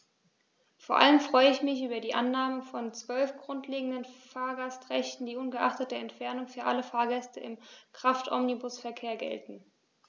Vor allem freue ich mich über die Annahme von 12 grundlegenden Fahrgastrechten, die ungeachtet der Entfernung für alle Fahrgäste im Kraftomnibusverkehr gelten.